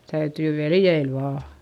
täytyy veljeillä vain